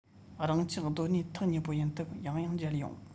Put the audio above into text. རང ཅག སྡོད གནས ཐག ཉེ པོ ཡིན སྟབས ཡང ཡང མཇལ ཡོང